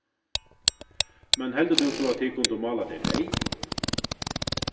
men heldur tú so at tit kundu málað tey reyð